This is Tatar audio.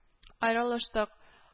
Аерылыштык